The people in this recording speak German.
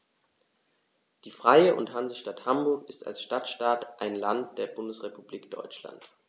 Die Freie und Hansestadt Hamburg ist als Stadtstaat ein Land der Bundesrepublik Deutschland.